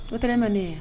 O tɛ ma ne ye